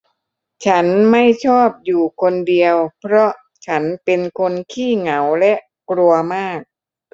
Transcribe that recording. ฉันไม่ชอบอยู่คนเดียวเพราะฉันเป็นคนขี้เหงาและกลัวมาก